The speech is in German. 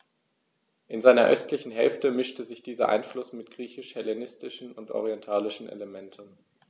In seiner östlichen Hälfte mischte sich dieser Einfluss mit griechisch-hellenistischen und orientalischen Elementen.